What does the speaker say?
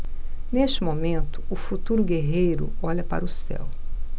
neste momento o futuro guerreiro olha para o céu